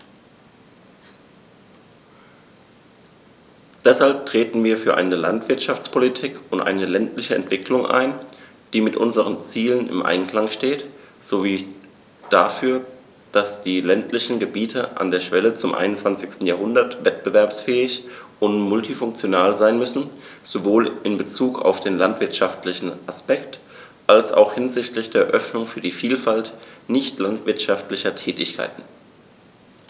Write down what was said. Deshalb treten wir für eine Landwirtschaftspolitik und eine ländliche Entwicklung ein, die mit unseren Zielen im Einklang steht, sowie dafür, dass die ländlichen Gebiete an der Schwelle zum 21. Jahrhundert wettbewerbsfähig und multifunktional sein müssen, sowohl in bezug auf den landwirtschaftlichen Aspekt als auch hinsichtlich der Öffnung für die Vielfalt nicht landwirtschaftlicher Tätigkeiten.